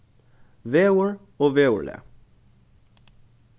veður og veðurlag